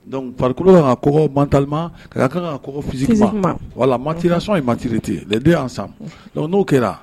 Dɔnkuc farikolokulu ka ko bantalima ka kan kasi wala matirasɔnɔn ye matire ten san n'o kɛra